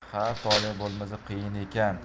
ha tole bo'lmasa qiyin ekan